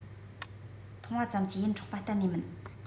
མཐོང བ ཙམ གྱིས ཡིད འཕྲོག པ གཏན ནས མིན